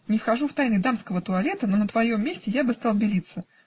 не вхожу в тайны дамского туалета, но на твоем месте я бы стал белиться